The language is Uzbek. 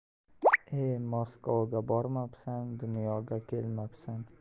e maskovga bormabsan dunyoga kelmabsan